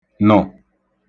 -nụ̀